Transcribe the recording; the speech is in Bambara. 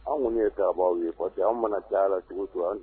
An kɔni ye tabaa aw ye parce que an mana caya cogo to